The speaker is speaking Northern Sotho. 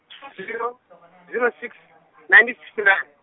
zero, zero six , nineteen sixty nine.